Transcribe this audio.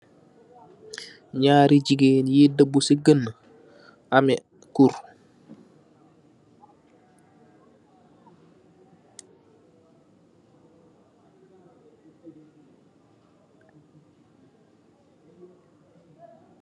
Nyaari jigain yii daebu si genah, ameh kurr.